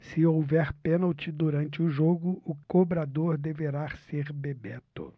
se houver pênalti durante o jogo o cobrador deverá ser bebeto